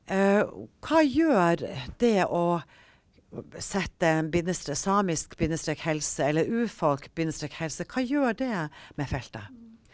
hva gjør det å sette en samisk bindestrek helse eller urfolk bindestrek helse, hva gjør det med feltet?